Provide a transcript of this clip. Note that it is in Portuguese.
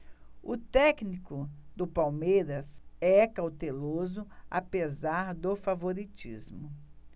o técnico do palmeiras é cauteloso apesar do favoritismo